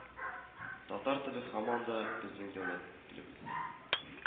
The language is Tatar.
Татар теле һаман да, безнең дәүләт телебез